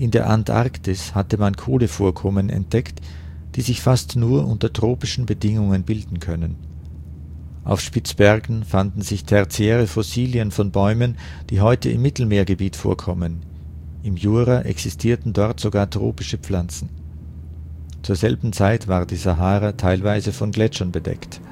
der Antarktis hatte man Kohlevorkommen entdeckt, die sich fast nur unter tropischen Bedingungen bilden können. Auf Spitzbergen fanden sich tertiäre Fossilien von Bäumen, die heute im Mittelmeergebiet vorkommen. Im Jura existierten dort sogar tropische Pflanzen. Zur selben Zeit war die Sahara teilweise von Gletschern bedeckt